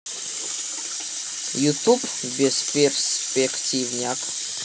ютуб бесперспективняк